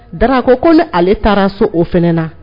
Dara a ko ko ne ale taara so o fɛnɛ na